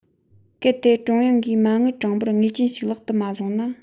གལ ཏེ ཀྲུང དབྱང གིས མ དངུལ གྲངས འབོར ངེས ཅན ཞིག ལག ཏུ མ བཟུང ན